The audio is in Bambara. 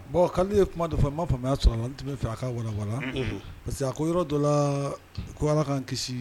Bon' ye kuma dɔ fɔ a m maa faamuya'a sɔrɔ la tun bɛ fɛ ka wawalan parce que a ko yɔrɔ dɔ la ko ala ka kisi